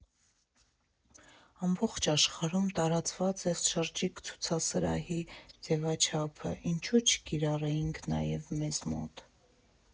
«Ամբողջ աշխարհում տարածված է շրջիկ ցուցասրահի ձևաչափը, ինչու՞ չկիրառեինք նաև մեզ մոտ»։